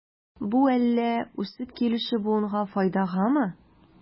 Бу әллә үсеп килүче буынга файдагамы?